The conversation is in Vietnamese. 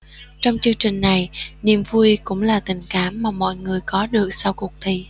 trong chương trình này niềm vui cũng là tình cảm mà mọi người có được sau cuộc thi